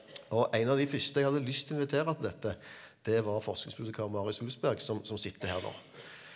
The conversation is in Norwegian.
og en av de første jeg hadde lyst å invitere til dette det var forskningsbibliotekar Marius Wulfsberg som som sitter her nå.